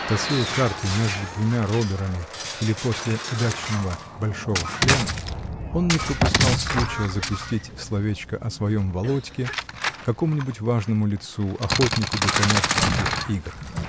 тасуя карты между двумя робберами или после удачного "большого шлема", он не пропускал случая запустить словечко о своем "Володьке" какому-нибудь важному лицу, охотнику до коммерческих игр.